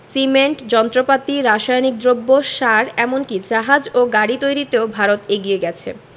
cement যন্ত্রপাতি রাসায়নিক দ্রব্য সার এমন কি জাহাজ ও গাড়ি তৈরিতেও ভারত এগিয়ে গেছে